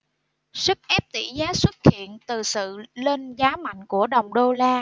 sức ép tỉ giá xuất hiện từ sự lên giá mạnh của đồng đô la